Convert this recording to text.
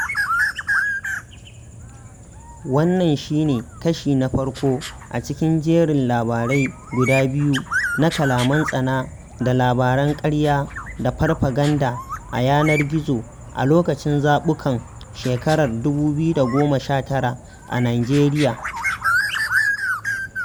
Wannan shi ne kashi na farko a cikin jerin labarai guda biyu na kalaman tsana da labaran ƙarya da farfaganda a yanar gizo a lokacin zaɓukan shekarar 2019 a Nijeriya.